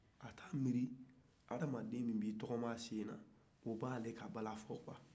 a t'a miiri adamaden min b'i taama sen na o b'ale ka bala fɔ quoi